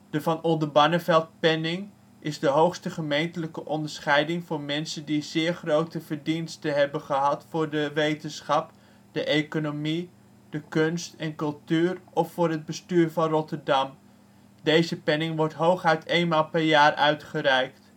de Van Oldenbarneveltpenning, is de hoogste gemeentelijke onderscheiding voor mensen die zeer grote verdiensten hebben gehad voor de wetenschap, de economie, de kunst en cultuur of voor het bestuur in Rotterdam. Deze penning wordt hooguit eenmaal per jaar uitgereikt